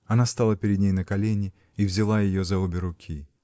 Она стала перед ней на колени и взяла ее за обе руки.